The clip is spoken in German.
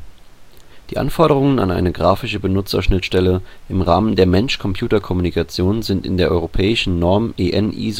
Die Anforderungen an eine grafische Benutzungsschnittstelle im Rahmen der Mensch-Computer-Kommunikation sind in der europäischen Norm EN ISO